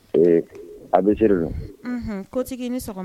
Ee ABC don, un kotigi i ni sɔgɔma